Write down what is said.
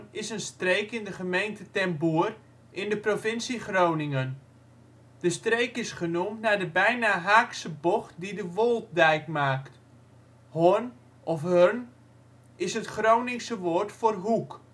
is een streek in de gemeente Ten Boer in de provincie Groningen. De steek is genoemd naar de bijna haakse bocht die de Wolddijk maakt. Horn of hörn is het Groningse woord voor hoek